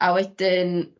a wedyn